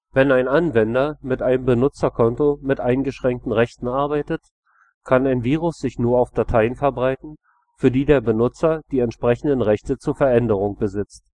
Wenn ein Anwender mit einem Benutzerkonto mit eingeschränkten Rechten arbeitet, kann ein Virus sich nur auf Dateien verbreiten, für die der Benutzer die entsprechenden Rechte zur Veränderung besitzt